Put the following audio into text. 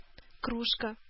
Кружка